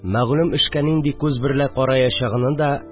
Мәгълүм эшкә нинди күз берлә караячагыны да